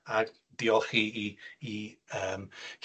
A diolch i i i yym ...